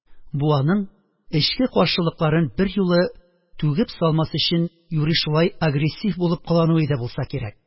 Бу аның, эчке каршылыкларын берьюлы түгеп салмас өчен, юри шулай агрессив булып кылануы иде булса кирәк